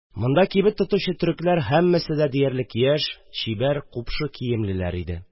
Монда кибет тотучы төрекләр һәммәсе диярлек яшь, чибәр, купшы киемлеләр иде